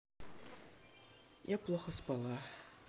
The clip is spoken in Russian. я плохо спала